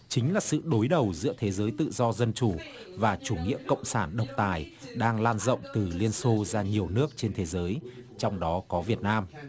chính là sự đối đầu giữa thế giới tự do dân chủ và chủ nghĩa cộng sản độc tài đang lan rộng từ liên xô ra nhiều nước trên thế giới trong đó có việt nam